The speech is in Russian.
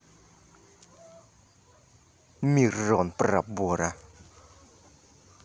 miron пробора